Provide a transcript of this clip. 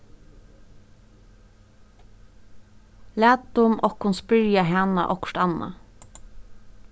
latum okkum spyrja hana okkurt annað